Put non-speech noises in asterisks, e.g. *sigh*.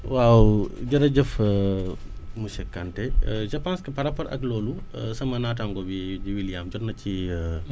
waaw jërëjëf *hesitation* monsieur Kanté *hesitation* je pense que par rapport ak loolu *hesitation* sama naataango bi di William jot na ci *hesitation*